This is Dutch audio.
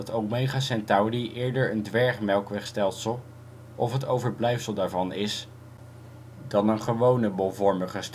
Omega Centauri eerder een dwergmelkwegstelsel of het overblijfsel daarvan is dan een gewone bolvormige